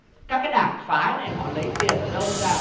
các cái đảng phái này họ lấy tiền ở đâu ra để